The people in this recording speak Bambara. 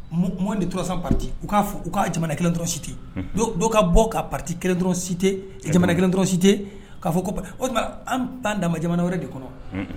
Mɔ ni torasan pati u' u ka jamana kelen dɔrɔnsite dɔw ka bɔ ka pariti kelen dɔrɔnsite jamana kelen dɔrɔnsite'a fɔ ko o tuma an pan dama jamana wɛrɛ de kɔnɔ